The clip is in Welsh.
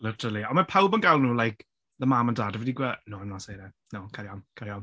Literally ond mae pawb yn galw nhw'n like "The mam and dad a fi 'di gwe-... No I'm not saying it. No carry on carry on.